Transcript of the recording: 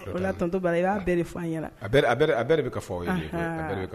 Toba'a bɛɛ de bɛ ka fɔ